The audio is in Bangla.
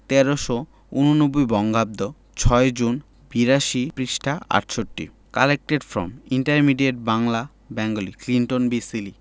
১৩৮৯ বঙ্গাব্দ ৬ জুন ৮২ পৃষ্ঠাঃ ৬৮ collected from intermediate Bangla Bengali Clinton B Seely